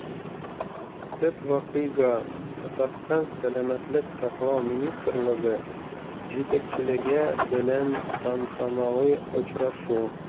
Төп вакыйга – Татарстан сәламәтлек саклау министрлыгы җитәкчелеге белән тантаналы очрашу.